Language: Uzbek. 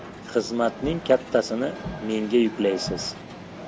xizmatning kattasini menga yuklaysiz